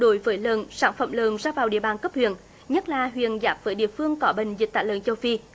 đối với lợn sản phẩm lợn ra vào địa bàn cấp huyện nhất là huyện giáp với địa phương có bệnh dịch tả lợn châu phi